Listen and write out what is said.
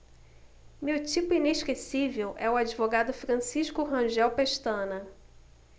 meu tipo inesquecível é o advogado francisco rangel pestana